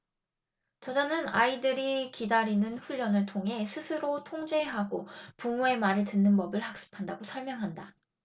저자는 아이들이 기다리는 훈련을 통해 스스로 통제하고 부모의 말을 듣는 법을 학습한다고 설명한다